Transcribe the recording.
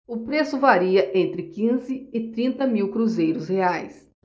o preço varia entre quinze e trinta mil cruzeiros reais